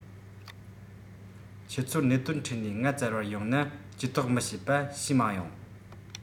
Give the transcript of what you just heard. ཁྱེད ཚོར གནད དོན འཕྲད ནས ང བཙལ བར ཡོང ན ཇུས གཏོགས མི བྱེད པ བྱས མ ཡོང